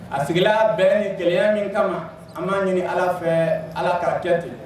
A siginla bɛn ni 1 ya min kama an b'a ɲini Ala fɛ Ala ka kɛ ten.